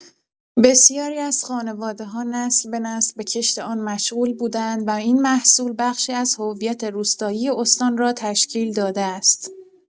بسیاری از خانواده‌ها نسل‌به‌نسل به کشت آن مشغول بوده‌اند و این محصول بخشی از هویت روستایی استان را تشکیل داده است.